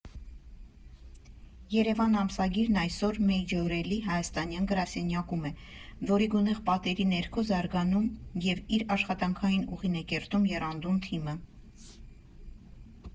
«Երևան» ամսագիրն այսօր Մեյջորելի հայաստանյան գրասենյակում է, որի գունեղ պատերի ներքո զարգանում և իր աշխատանքային ուղին է կերտում եռանդուն թիմը։